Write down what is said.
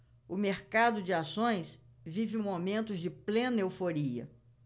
o mercado de ações vive momentos de plena euforia